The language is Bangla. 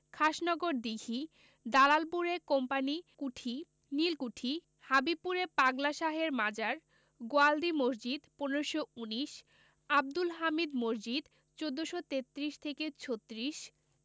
খাসনগর দিঘি দালালপুরে কোম্পানি কুঠি নীল কুঠি হাবিবপুরে পাগলা শাহের মাজার গোয়ালদি মসজিদ ১৫১৯ আবদুল হামিদ মসজিদ ১৪৩৩ থেকে ৩৬